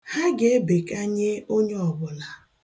Ha ga-ebekanye onye ọbụla.